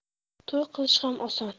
to'y qilish ham oson